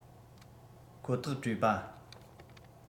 ཁོ ཐག བྲོས པ